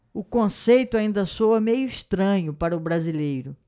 o conceito ainda soa meio estranho para o brasileiro